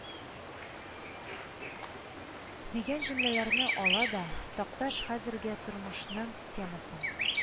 Дигән җөмләләрне ала да «такташ хәзерге тормышның темасын,